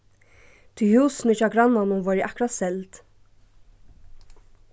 tí húsini hjá grannanum vóru akkurát seld